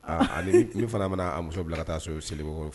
Aa ami ni min fana mana a muso bila ka taa so seli